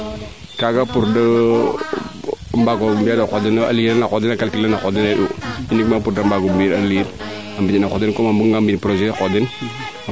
kaaga pour mbaago mbiyana qoox den a lire ana qoox den a calculer a qoox den a rend u uniquement pour de mbaago a lire a mbiya na qoox den comme a mbuga nga mbi projet qoox den